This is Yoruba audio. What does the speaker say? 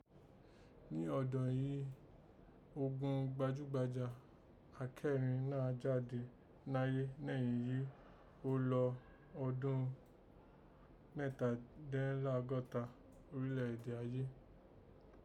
Ni ọdọ́n yìí òghun gbajúgbajà akẹrin náà jáde nayé nẹ̀yìn yí gho lo ọdọ́n mẹ́ẹ̀tadẹ́nlọ́gọ́ta orílẹ̀ èdè aye